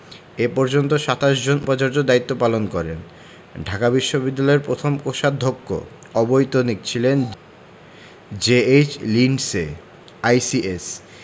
এ পর্যন্ত ২৭ জন উপাচার্য দায়িত্ব পালন করেন ঢাকা বিশ্ববিদ্যালয়ের প্রথম কোষাধ্যক্ষ অবৈতনিক ছিলেন জে.এইচ লিন্ডসে আইসিএস